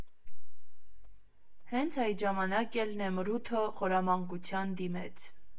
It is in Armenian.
Հենց այդ ժամանակ էլ Նեմրութը խորամանկության դիմեց.